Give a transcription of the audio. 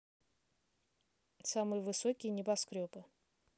самые высокие небоскребы